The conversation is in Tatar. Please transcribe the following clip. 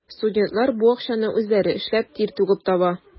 Студентлар бу акчаны үзләре эшләп, тир түгеп таба.